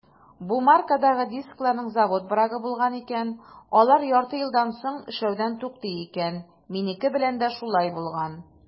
Бу маркадагы дискларның завод брагы булган икән - алар ярты елдан соң эшләүдән туктый икән; минеке белән дә шулай булган.